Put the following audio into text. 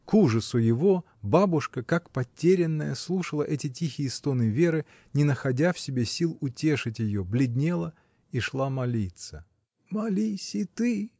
К ужасу его, бабушка как потерянная слушала эти тихие стоны Веры, не находя в себе сил утешить ее, бледнела и шла молиться. — Молись и ты!